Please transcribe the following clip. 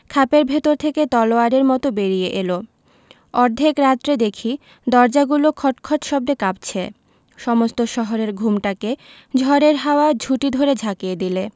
খাপের ভেতর থেকে তলোয়ারের মত বেরিয়ে এল অর্ধেক রাত্রে দেখি দরজাগুলো খটখট শব্দে কাঁপছে সমস্ত শহরের ঘুমটাকে ঝড়ের হাওয়া ঝুঁটি ধরে ঝাঁকিয়ে দিলে